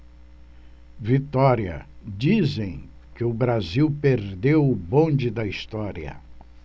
vitória dizem que o brasil perdeu o bonde da história